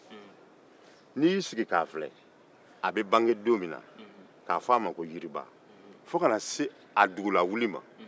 n'i y'i sigi k'a filɛ a bɛ bange don min na fo ka na se a dugulawuli ma